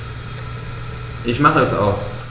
Ich mache es aus.